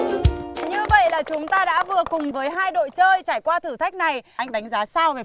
như vậy là chúng ta đã vừa cùng với hai đội chơi trải qua thử thách này anh đánh giá sao